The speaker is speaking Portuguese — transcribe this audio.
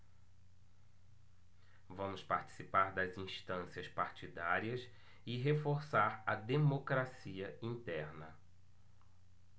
vamos participar das instâncias partidárias e reforçar a democracia interna